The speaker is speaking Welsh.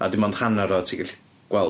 A dim ond hanner o ti gallu gweld.